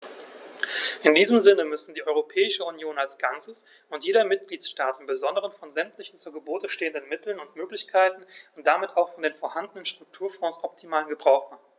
In diesem Sinne müssen die Europäische Union als Ganzes und jeder Mitgliedstaat im besonderen von sämtlichen zu Gebote stehenden Mitteln und Möglichkeiten und damit auch von den vorhandenen Strukturfonds optimalen Gebrauch machen.